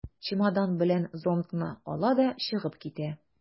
Чемодан белән зонтны ала да чыгып китә.